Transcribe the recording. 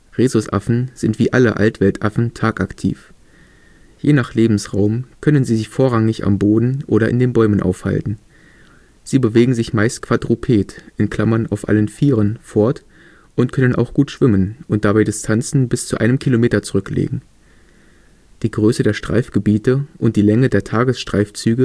Rhesusaffen sind wie alle Altweltaffen tagaktiv. Je nach Lebensraum können sie sich vorrangig am Boden oder in den Bäumen aufhalten. Sie bewegen sich meist quadruped (auf allen vieren) fort und können auch gut schwimmen und dabei Distanzen bis zu 1 Kilometer zurücklegen. Die Größe der Streifgebiete und die Länge der Tagesstreifzüge